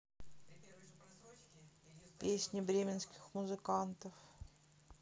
песни бременских музыкантов